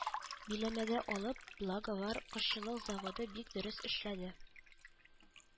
Биләмәгә алып, благовар кошчылык заводы бик дөрес эшләде